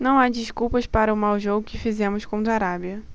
não há desculpas para o mau jogo que fizemos contra a arábia